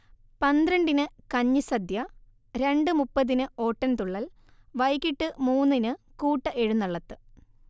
പന്ത്രണ്ടിന് കഞ്ഞിസദ്യ, രണ്ടു മുപ്പതിന് ഓട്ടൻതുള്ളൽ, വൈകീട്ട് മൂന്നിന് കൂട്ടഎഴുന്നള്ളത്ത്